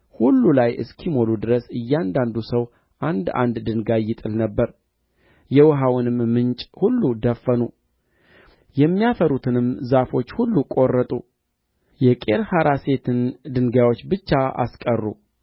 ወደ እስራኤል ሰፈር በመጡ ጊዜ እስራኤላውያን ተነሥተው ሞዓባውያንን መቱ እነርሱም ከፊታቸው ሸሹ ሞዓባውያንንም እየመቱ ወደ አገሩ ውስጥ ገቡ ከተሞችንም አፈረሱ በመልካሞቹም እርሻዎች